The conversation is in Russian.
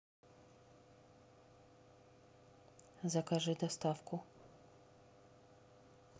закажи доставку